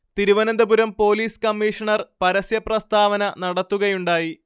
Thiruvananthapuram police commissioner പരസ്യപ്രസ്താവന നടത്തുകയുണ്ടായി